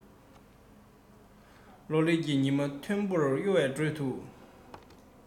ལོ ལེགས ཀྱི སྙེ མ མཐོན པོར གཡོ བའི ཁྲོད དུ